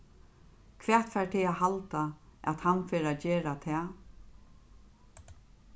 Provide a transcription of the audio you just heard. hvat fær teg at halda at hann fer at gera tað